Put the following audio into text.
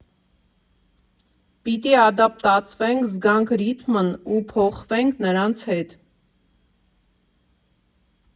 Պիտի ադապտացվենք, զգանք ռիթմն ու փոխվենք նրանց հետ։